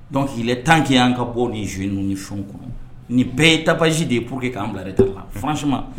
Dɔnku k'i tan k' ka bɔ ni zy sun kɔnɔ ni bɛɛ ye tabazsi de ye pur que k'an bila de ta fa suma